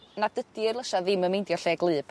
nad ydi eirlysia ddim yn meindio lle gwlyb.